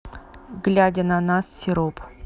глядя на нас сироп